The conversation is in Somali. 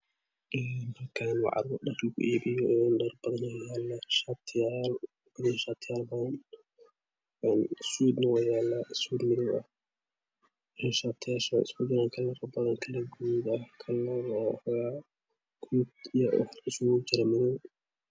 Halkaan waa carwo dhar lagu iibiyo oo dhar badan aa yaalo shaatiyaal waliba shaatiyaal badan suudna waa yaalaa suud madow ah iyo shaatiyaasha oo isku mid ah kalarka guduud ah iyo kalar guduud iyo madow isku jiro